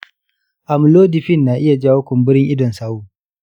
amlodipine na iya jawo kumburin idon sawo.